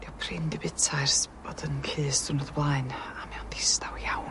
Dio prin di buta ers bod yn llys diwrnod o blaen a mae o'n ddistaw iawn.